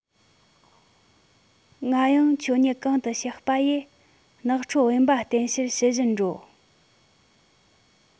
ང ཡང ཁྱོད ཉིད གང དུ གཤེགས པ ཡི ནགས ཁྲོད དབེན པ བསྟེན ཕྱིར ཕྱི བཞིན འགྲོ